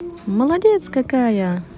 молодец какая